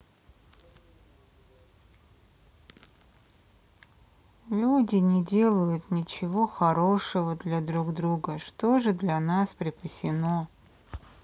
люди не делают ничего хорошего для друг друга что же для нас припасено